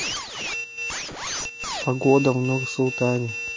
погода в нур султане